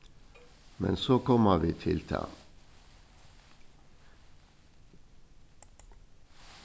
men so koma vit til tað